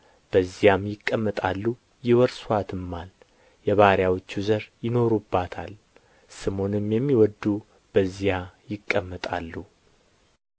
በዚያም ይቀመጣሉ ይወርሱአትማል የባሪያዎቹ ዘር ይኖሩባታል ስሙንም የሚወድዱ በዚያ ይቀመጣሉ